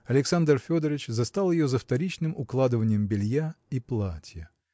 Александр Федорыч застал ее за вторичным укладываньем белья и платья.